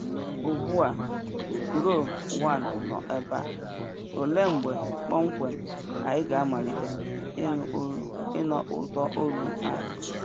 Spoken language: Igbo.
Ugbu a Glo-1 nọ ebe a, olee mgbe kpọmkwem anyị ga-amalite ịnụ ụtọ ọrụ ahụ?